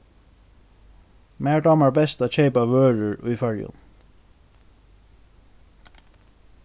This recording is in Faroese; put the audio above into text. mær dámar best at keypa vørur í føroyum